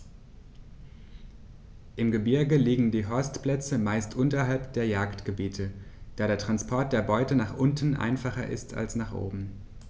Im Gebirge liegen die Horstplätze meist unterhalb der Jagdgebiete, da der Transport der Beute nach unten einfacher ist als nach oben.